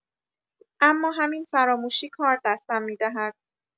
اما همین فراموشی کار دستم می‌دهد.